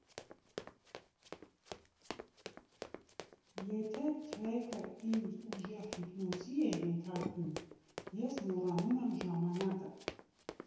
Եթե թրեքը ինձ ուժեղ հիպնոսի է ենթարկում, ես մոռանում եմ ժամանակը։